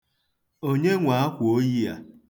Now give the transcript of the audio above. Onye nwe akwaoyi a?